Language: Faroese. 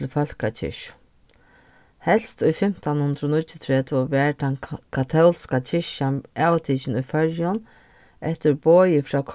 til fólkakirkju helst í fimtan hundrað og níggjuogtretivu var tann katólska kirkjan avtikin í føroyum eftir boði frá